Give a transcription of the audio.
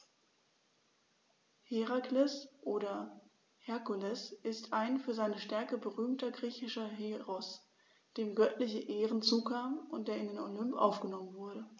Herakles oder Herkules ist ein für seine Stärke berühmter griechischer Heros, dem göttliche Ehren zukamen und der in den Olymp aufgenommen wurde.